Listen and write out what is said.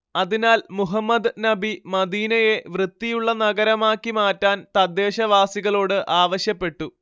അതിനാൽ മുഹമ്മദ് നബി മദീനയെ വൃത്തിയുള്ള നഗരമാക്കി മാറ്റാൻ തദ്ദേശവാസികളോട് ആവശ്യപ്പെട്ടു